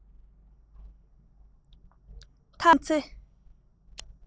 མཐར ཕྱིན ཚེ